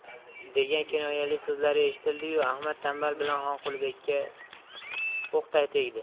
degan kinoyali so'zlari eshitildi yu ahmad tanbal bilan xonqulibekka o'qday tegdi